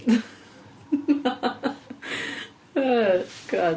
Na. Oh, God.